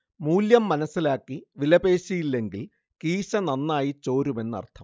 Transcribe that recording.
മൂല്യം മനസ്സിലാക്കി വിലപേശിയില്ലെങ്കിൽ കീശ നന്നായി ചോരുമെന്നർഥം